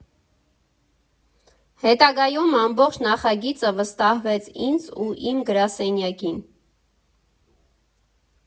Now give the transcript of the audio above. Հետագայում ամբողջ նախագիծը վստահվեց ինձ ու իմ գրասենյակին։